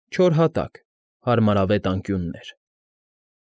Չոր հատակ, հարմարավետ անկյուններ։